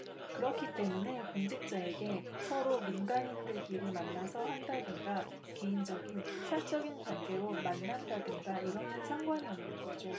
그렇기 때문에 공직자에게 서로 민간인들끼리 만나서 한다든가 개인적인 사적인 관계로 만난다든가 이러면 상관이 없는 거죠